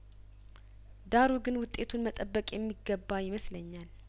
ዳሩ ግን ውጤቱን መጠበቅ የሚገባ ይመስለኛል